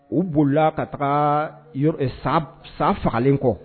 U boli ka taa sa fagalen kɔ